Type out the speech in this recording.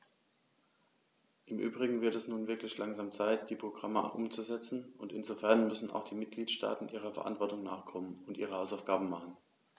Im übrigen wird es nun wirklich langsam Zeit, die Programme umzusetzen, und insofern müssen auch die Mitgliedstaaten ihrer Verantwortung nachkommen und ihre Hausaufgaben machen.